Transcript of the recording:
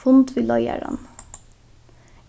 fund við leiðaran